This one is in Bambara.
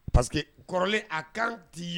Parce que kɔrɔlen a kan tɛ ye